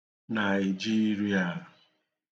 Nàị̀jirīà